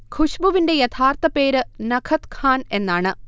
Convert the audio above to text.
ഖുശ്ബുവിന്റെ യഥാർഥ പേര് നഖത് ഖാൻ എന്നാണ്